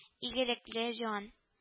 Игелекле җан